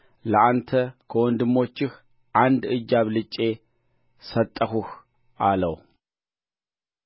ለአንተ ከወንድሞችህ አንድ እጅ አብልጬ ሰጠሁህ አለው